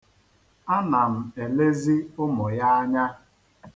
A na m elezi ụmụ ya anya.